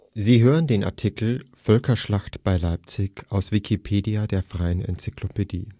Sie hören den Artikel Völkerschlacht bei Leipzig, aus Wikipedia, der freien Enzyklopädie